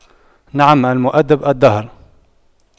نعم المؤَدِّبُ الدهر